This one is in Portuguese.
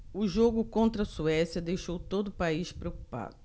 o jogo contra a suécia deixou todo o país preocupado